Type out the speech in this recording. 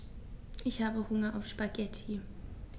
Ich habe Hunger auf Spaghetti.